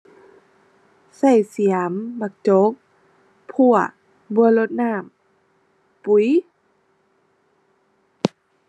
ใช้เสียม บักจก พลั่ว บัวรดน้ำ ปุ๋ย